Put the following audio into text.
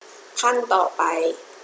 ขั้นต่อไป